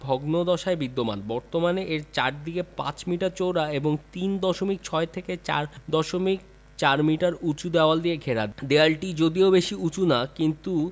ভগ্নদশায় বিদ্যমান বর্তমানে এর চারদিক ৫ মিটার চওড়া এবং ৩ দশমিক ৬ থেকে ৪ দশমিক ৪ মিটার উঁচু দেয়াল দিয়ে ঘেরা দেয়ালটি যদিও বেশি উঁচু না কিন্তু